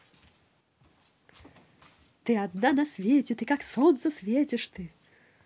ты одна на свете ты как солнце светишь ты